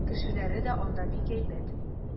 Кешеләре дә анда бик әйбәт.